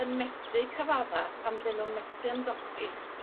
yn medru cyfadda pan 'dyn nhw'n methu ymdopi